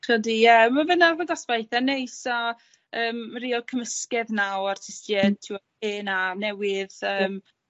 Credu ie. Ma' fe'n arddangosfa eitha neis a yym ma' ril cymysgedd 'no o artistied t'wo hen a newydd yym.